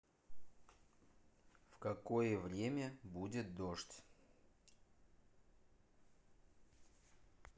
в какое время будет дождь